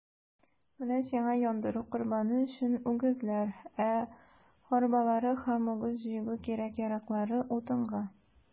Менә сиңа яндыру корбаны өчен үгезләр, ә арбалары һәм үгез җигү кирәк-яраклары - утынга.